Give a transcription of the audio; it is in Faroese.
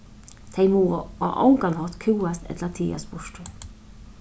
tey mugu á ongan hátt kúgast ella tigast burtur